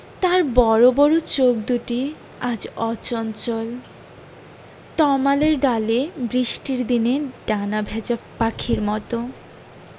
তার বড় বড় দুটি চোখ আজ অচঞ্চল তমালের ডালে বৃষ্টির দিনে ডানা ভেজা পাখির মত